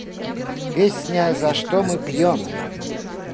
песня за что мы пьем